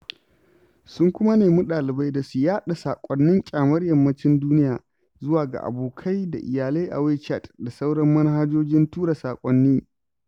Sun kuma nemi ɗalibai da su yaɗa saƙonnin ƙyamar Yammacin duniya zuwa ga abokai da iyalai a Wechat da sauran manhajojin tura saƙonni.